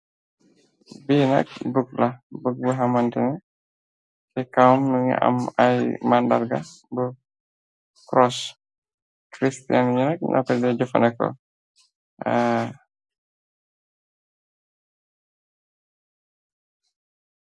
Bii nak book la, book bu hamantena ci kawam mingi ame ay màndarga bu cross. Christian nii nak nyo ko day jëffandeko.